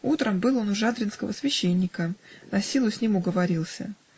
Утром был он у жадринского священника насилу с ним уговорился